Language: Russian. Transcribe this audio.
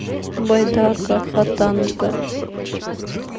байдарка хатанга